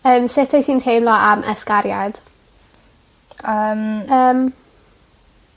Yym sut wyt ti'n teimlo am ysgariad? Yym. Yym.